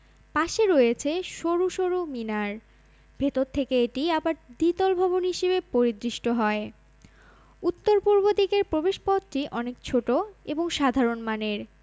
পাশে রয়েছে সরু সরু মিনার ভেতর থেকে এটি আবার দ্বিতল ভবন হিসেবে পরিদৃষ্ট হয় উত্তর পূর্ব দিকের প্রবেশপথটি অনেক ছোট এবং সাধারণ মানের